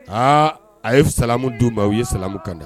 Aa a ye samu donba u ye samu kanda